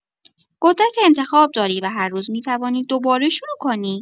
قدرت انتخاب داری و هر روز می‌توانی دوباره شروع کنی.